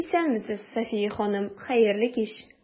Исәнмесез, Сафия ханым, хәерле кич!